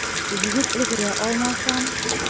Җыеп өлгерә алмасам?